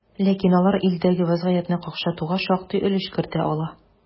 Ләкин алар илдәге вазгыятьне какшатуга шактый өлеш кертә ала.